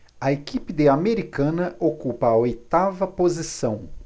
a equipe de americana ocupa a oitava posição